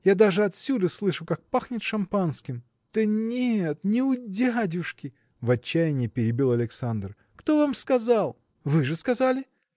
Я даже отсюда слышу, как пахнет шампанским. – Да нет, не у дядюшки! – в отчаянии перебил Александр. – Кто вам сказал? – Вы же сказали.